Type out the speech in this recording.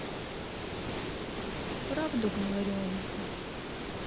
правду говорю алиса